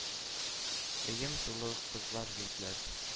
Өем тулы кызлар, егетләр,